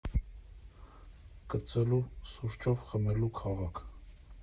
Կծելու՝ սուրճով խմելու քաղաք։